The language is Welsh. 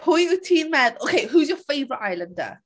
Pwy wyt ti'n meddw... ok who's your favourite Islander?